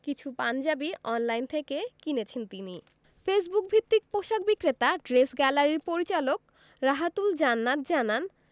কিছু পাঞ্জাবি অনলাইন থেকে কিনেছেন তিনি ফেসবুকভিত্তিক পোশাক বিক্রেতা ড্রেস গ্যালারির পরিচালক রাহাতুল জান্নাত জানান